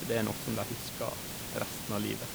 Og det er noe som de husker resten av livet.